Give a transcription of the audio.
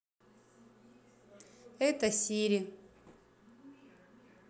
это сири